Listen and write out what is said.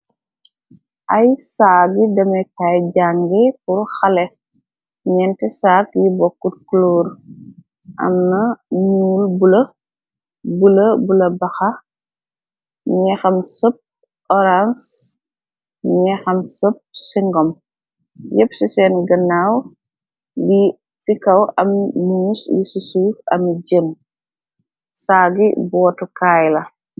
Ay saagi deme kaay jànge pur xale ñente. Saag yi bokk cloor amna muul bula bula bula baxa nexam sëp oranc nexam sëp cingom yépp. Ci seen gënaaw gi ci kaw am mous yi ci suuf ami jem saagi bootu kaay la.